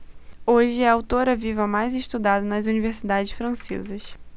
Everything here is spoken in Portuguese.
hoje é a autora viva mais estudada nas universidades francesas